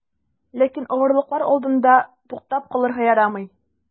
Ләкин авырлыклар алдында туктап калырга ярамый.